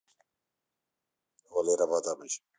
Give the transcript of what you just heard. валера потапыч